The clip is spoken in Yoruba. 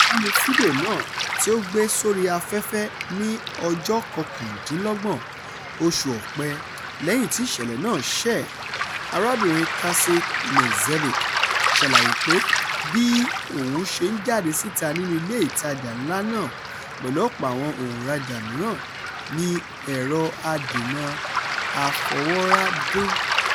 Nínú fídíò náà, tí ó gbé-sórí-áfẹ́fẹ́ ní ọjọ́ 29, oṣù Ọ̀pẹ lẹ́yìn tí ìṣẹ̀lẹ̀ náà ṣẹ̀, arábìnrin Tasić Knežević ṣàlàyé pé bí òun ṣe ń jáde síta nínú ilé ìtajà ńlá náà pẹ̀lú ọ̀pọ̀ àwọn òǹrajà mìíràn ni ẹ̀rọ adènà àfọwọ́rá dún.